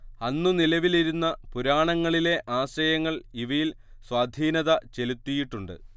അന്നു നിലവിലിരുന്ന പുരാണങ്ങളിലെ ആശയങ്ങൾ ഇവയിൽ സ്വാധീനത ചെലുത്തിയിട്ടുണ്ട്